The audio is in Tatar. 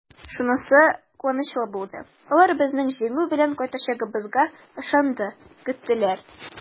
Шунысы куанычлы булды: алар безнең җиңү белән кайтачагыбызга ышанды, көттеләр!